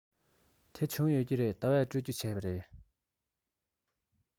དེ བྱུང ཡོད ཀྱི རེད ཟླ བས སྤྲོད རྒྱུ བྱས པ རེད